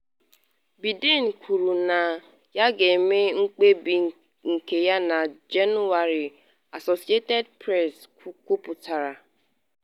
Biden kwuru na ya ga-eme mkpebi nke ya na Jenuarị, Associated Press kwuputara.